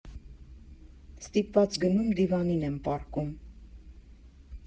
Ստիպված գնում, դիվանին եմ պառկում։